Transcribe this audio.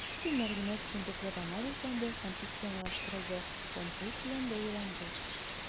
Бөтен мәгълүмат җентекләп анализланды һәм системалаштырылды, тәнкыйть белән бәяләнде.